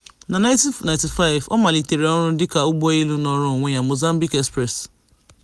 Na 1995, ọ malitere ọrụ dịka ụgbọelu nọọrọ onwe ya, Mozambique Express.